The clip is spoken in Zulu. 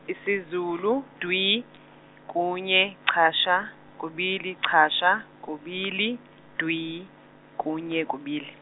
isiZulu dwi kunye chasha kubili chasha kubili dwi kunye kubili.